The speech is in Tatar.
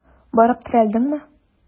Барып терәлдеңме?